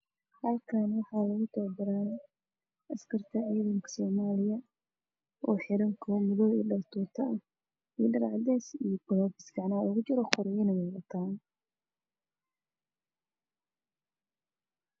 Halkaani waxa lagu taba-baraa askarka ciidanka soomaaliya oo xeran kabo madow iyo dhartuuta ah iyo Dhar cadeys garroofiskana OOGA jiro qoryana wey-wataan.